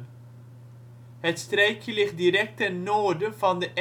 streekje ligt direct ten noorden van de